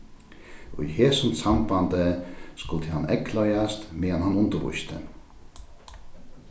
í hesum sambandi skuldi hann eygleiðast meðan hann undirvísti